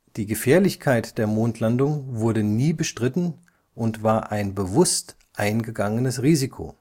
Die Gefährlichkeit der Mondlandung wurde nie bestritten und war ein bewusst eingegangenes Risiko